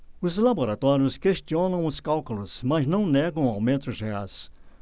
os laboratórios questionam os cálculos mas não negam aumentos reais